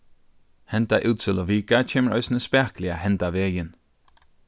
henda útsøluvika kemur eisini spakuliga hendavegin